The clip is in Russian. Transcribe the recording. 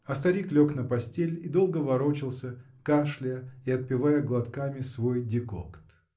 а старик лег на постель и долго ворочался, кашляя и отпивая глотками свой декокт.